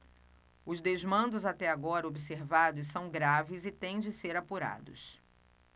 os desmandos até agora observados são graves e têm de ser apurados